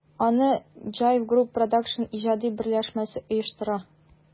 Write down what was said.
Аны JIVE Group Produсtion иҗади берләшмәсе оештыра.